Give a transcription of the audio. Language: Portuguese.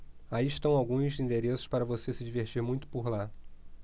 aí estão alguns endereços para você se divertir muito por lá